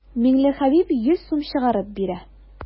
Миңлехәбиб йөз сум чыгарып бирә.